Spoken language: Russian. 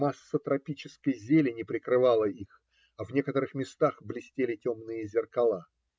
Масса тропической зелени прикрывала их, а в некоторых местах блестели темные зеркала.